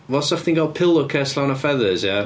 Dwi'n meddwl 'sa cdi'n cal pillow case llawn o feathers ia...